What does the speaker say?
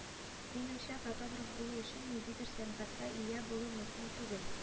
- минемчә, фотограф булу өчен ниндидер сәнгатькә ия булу мөһим түгел